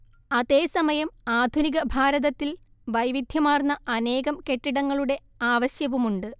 അതേസമയം ആധുനിക ഭാരതത്തിൽ വൈവിധ്യമാർന്ന അനേകം കെട്ടിടങ്ങളുടെ ആവശ്യവുമുണ്ട്